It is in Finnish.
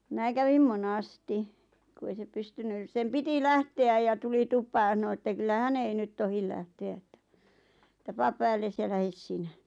minä kävin monesti kun ei se pystynyt sen piti lähteä ja tuli tupaan ja sanoi että kyllä hän ei nyt tohdi lähteä että että pane päällesi ja lähde sinä